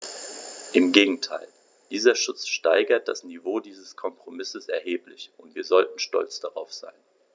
Im Gegenteil: Dieser Schutz steigert das Niveau dieses Kompromisses erheblich, und wir sollten stolz darauf sein.